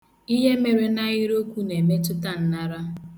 Ihe mere n'ahịrịokwu na-emetụta nnara.